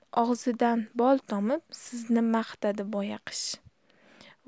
og'zidan bol tomib sizni maqtadi boyoqish